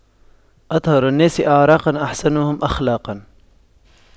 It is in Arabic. أطهر الناس أعراقاً أحسنهم أخلاقاً